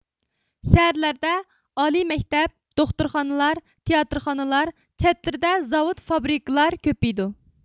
شەھەرلەردە ئالىي مەكتەپ دوختۇرخانىلار تىياتىرخانىلار چەتلىرىدە زاۋۇت فابرىكىلار كۆپىيىدۇ